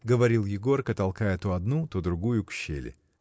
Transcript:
— говорил Егорка, толкая то одну, то другую к щели.